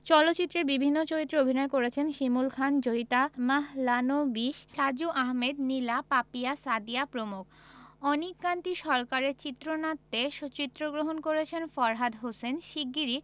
চলচ্চিত্রের বিভিন্ন চরিত্রে অভিনয় করেছেন শিমুল খান জয়িতা মাহলানোবিশ সাজু আহমেদ নীলা পাপিয়া সাদিয়া প্রমুখ অনিক কান্তি সরকারের চিত্রনাট্যে চিত্রগ্রহণ করেছেন ফরহাদ হোসেন শিগগিরই